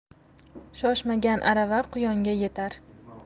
shoshmagan arava quyonga yetar